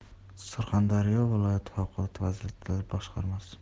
surxondaryo viloyat favqulodda vaziyatlar boshqarmasi